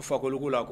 U fakoli la